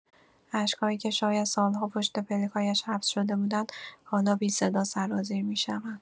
اشک‌هایی که شاید سال‌ها پشت پلک‌هایش حبس شده بودند، حالا بی‌صدا سرازیر می‌شوند.